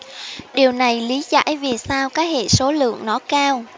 điều này lý giải vì sao cái hệ số lượng nó cao